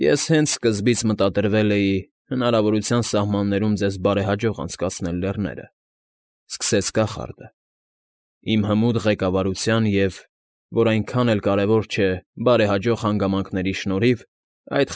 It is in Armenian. Ես հենց սկզբից մտադրվել էի հնարավորության սահմաններում ձեզ բարեհաջող անցկացնել լեռները, ֊ սկսեց կախարդը։ ֊ Իմ հմուտ ղեկավարության և, որ այնքան էլ կարևոր չէ, բարեհաջող հանգամանքների շնորհիվ այդ։